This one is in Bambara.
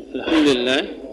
Alhamdoulillah